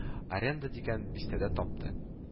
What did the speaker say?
Аренда дигән бистәдә тапты